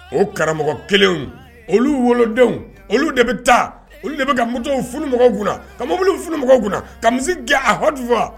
O karamɔgɔ kelen olu wolodenw olu de bɛ taa olu de bɛtuunu mɔgɔw kun kabili funu mɔgɔw kun ka misi gɛn ahadufa